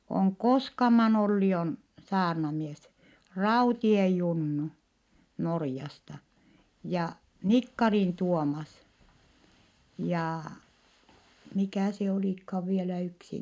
on Koskaman Olli on saarnamies Raution Junnu Norjasta ja Nikkarin Tuomas ja mikä se olikaan vielä yksi